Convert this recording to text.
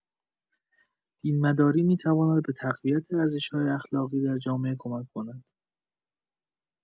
دین‌مداری می‌تواند به تقویت ارزش‌های اخلاقی در جامعه کمک کند.